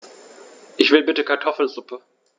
Ich will bitte Kartoffelsuppe.